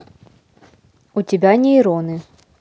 у тебя нейроны